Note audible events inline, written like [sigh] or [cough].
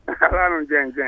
[laughs] machallah noon Dieng Dieng